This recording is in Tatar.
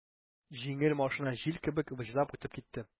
Җиңел машина җил кебек выжлап үтеп китте.